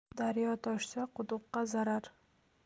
daryo toshsa quduqqa zarar